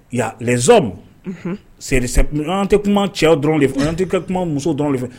Ya zson seri an tɛ kuma cɛ dɔrɔn de fɛ an tɛ ka kuma muso dɔrɔn de fɛ